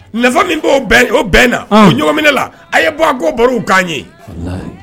nafa hin b'o bɛn na, ɔn, o ɲɔgminɛ la, a ye bɔ ko barow k'an ye